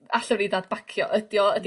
...allwn ni ddadbacio ydio yn...